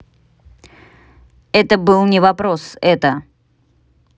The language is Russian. это был не вопрос это